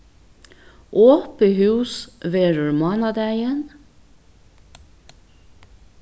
opið hús verður mánadagin